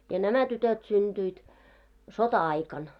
ja nämä tytöt syntyivät sota-aikana